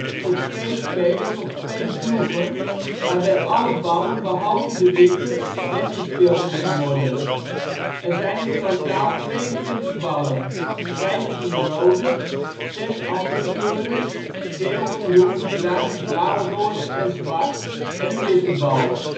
twee spelers of twee ploegen waarbij alle ballen behalve de witte weggespeeld moeten worden. Er zijn in totaal 22 ballen: vijftien rode, zes andere kleuren (geel, groen, bruin, blauw, roze en zwart) en een witte bal